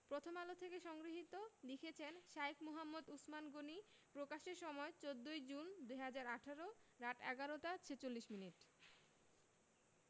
প্রথমআলো থেকে সংগৃহীত লিখেছেন শাঈখ মুহাম্মদ উছমান গনী প্রকাশের সময় ১৪ই জুন ২০১৮ রাত ১১টা ৪৬ মিনিট